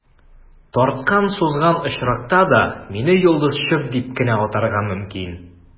Тарткан-сузган очракта да, мине «йолдызчык» дип кенә атарга мөмкин.